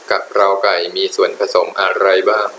กะเพราไก่มีส่วนผสมอะไรบ้าง